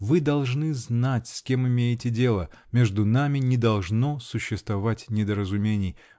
Вы должны знать, с кем имеете дело -- между нами не должно существовать недоразумений.